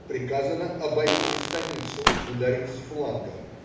Приказано: обойти станицу - ударить с фланга.